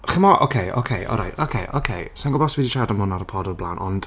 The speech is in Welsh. Chimod? Ok, ok, alright, ok, ok. Sa i'n gwbod os fi 'di siarad am hwn ar y pod o'r blaen, ond...